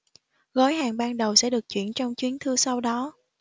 gói hàng ban đầu sẽ được chuyển trong chuyến thư sau đó